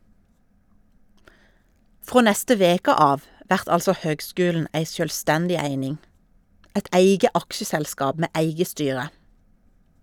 Frå neste veke av vert altså høgskulen ei sjølvstendig eining, eit eige aksjeselskap med eige styre.